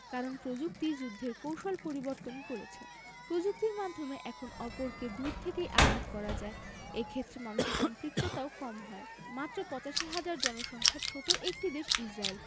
কারণ প্রযুক্তিই যুদ্ধের কৌশল পরিবর্তন করছে প্রযুক্তির মাধ্যমে এখন অপরকে দূর থেকেই আঘাত করা যায় এ ক্ষেত্রে মানুষের সম্পৃক্ততাও কম হয় মাত্র ৮৫ লাখ জনসংখ্যার ছোট্ট একটি দেশ ইসরায়েল